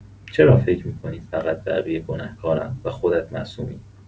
چرا فکر می‌کنی فقط بقیه گنه‌کارن و خودت معصومی؟